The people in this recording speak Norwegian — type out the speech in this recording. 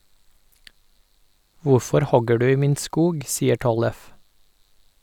"Hvorfor hogger du i min skog?" sier Tollef.